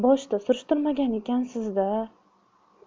boshida surishtirmagan ekansiz da